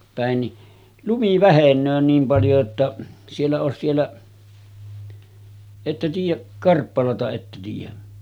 päin niin lumi vähenee niin paljon että siellä olisi siellä ette tiedä Karppalaa että tiedä